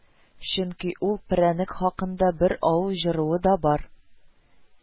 Чөнки ул перәннек хакында бер авыл җыруы да бар